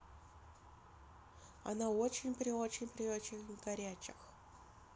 она очень приочень приочень горячих